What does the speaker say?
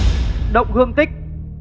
động hương tích